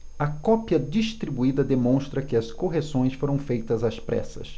a cópia distribuída demonstra que as correções foram feitas às pressas